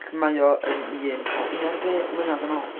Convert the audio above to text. ..Ac mae o yn un o un ar ddeg mlynedd yn ôl.